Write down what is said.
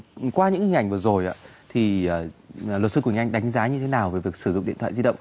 qua những hình ảnh vừa rồi thì luật sư quỳnh anh đánh giá như thế nào về việc sử dụng điện thoại di động